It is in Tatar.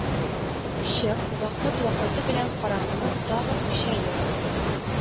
Чык, вакыты-вакыты белән караңгылык тагын көчәеп